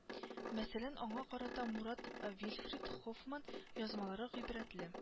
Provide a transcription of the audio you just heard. Мәсәлән аңа карата мурад-вильфрид хофманн язмалары гыйбрәтле